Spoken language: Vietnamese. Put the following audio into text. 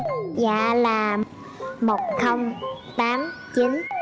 dạ là một không tám chín